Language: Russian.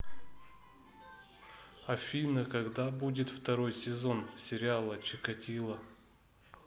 афина когда будет второй сезон сериала чикатило